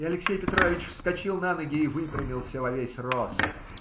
Алексей Петрович вскочил на ноги и выпрямился во весь рост.